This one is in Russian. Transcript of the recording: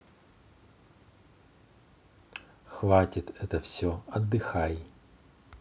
хватит это все отдыхай